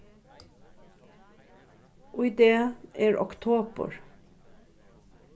í dag er oktobur